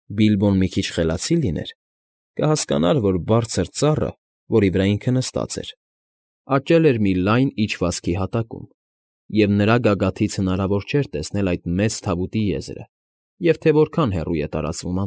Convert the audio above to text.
Բիլբոն մի քիչ խելացի լիներ, կհասկանար, որ բարձր ծառը, որի վրա ինքը նստած էր, աճել էր մի լայն իջվածքի հատակում, և նրա գագաթից հնարավոր չէր տեսնել այդ մեծ թավուտի եզրը և թե որքան հեռու է տարածվում։